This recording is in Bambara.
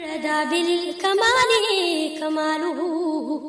Bali kain kamalenlu